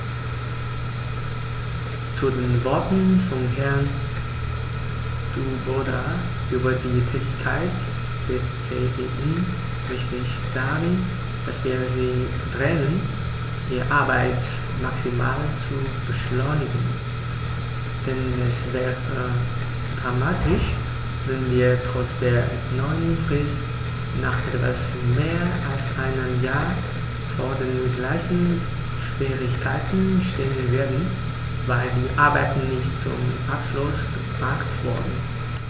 Zu den Worten von Herrn Swoboda über die Tätigkeit des CEN möchte ich sagen, dass wir sie drängen, ihre Arbeit maximal zu beschleunigen, denn es wäre dramatisch, wenn wir trotz der neuen Frist nach etwas mehr als einem Jahr vor den gleichen Schwierigkeiten stehen würden, weil die Arbeiten nicht zum Abschluss gebracht wurden.